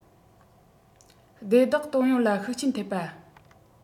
སྡེ བདག གཏོང ཡོང ལ ཤུགས རྐྱེན ཐེབས